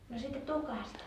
no siitä tukasta